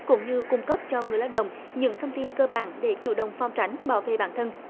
cũng như cung cấp cho người lao động những thông tin cơ bản để chủ động phòng tránh bảo vệ bản thân